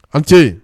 An tɛ